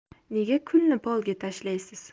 nega kulni polga tashlaysiz